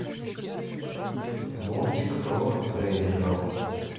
мультик про рейнджеров